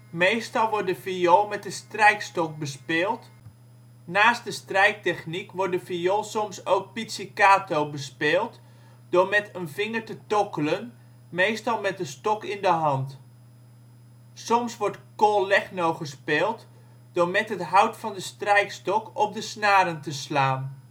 Meestal wordt de viool met de strijkstok bespeeld. Naast de strijktechniek (arco) wordt de viool soms ook pizzicato bespeeld (door met een vinger te tokkelen - meestal met de stok in de hand). Soms wordt col legno gespeeld door met het hout van de strijkstok op de snaren te ' slaan